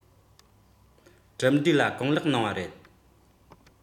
གྲུབ འབྲས ལ གང ལེགས གནང བ རེད